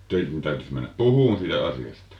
teidän täytyisi mennä puhumaan siitä asiasta